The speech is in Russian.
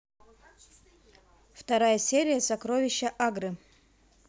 вторая серия сокровища агры